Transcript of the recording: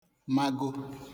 mago